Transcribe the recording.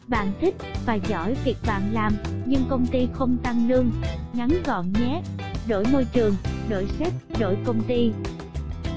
bạn thích và giỏi việc bạn làm nhưng công ty không tăng lương ngắn gọn nhé đổi môi trường đổi sếp đổi công ty